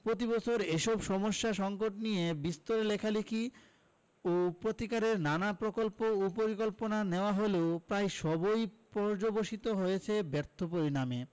প্রতিবছর এসব সমস্যা সঙ্কট নিয়ে বিস্তর লেখালেখি ও প্রতিকারের নানা প্রকল্প ও পরিকল্পনা নেয়া হলেও প্রায় সবই পর্যবসিত হয়েছে ব্যর্থ পরিণামে